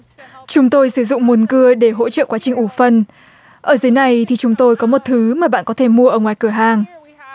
chúng tôi sử dụng mùn cưa để hỗ trợ quá trình ủ phân ở dưới này thì chúng tôi có một thứ mà bạn có thể mua ở ngoài cửa hàng